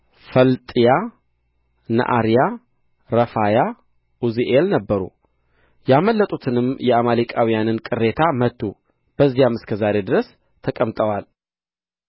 ፈላጥያ ነዓርያ ረፋያ ዑዝኤል ነበሩ ያመለጡትንም የአማሌቃውያንን ቅሬታ መቱ በዚያም እስከ ዛሬ ድረስ ተቀምጠዋል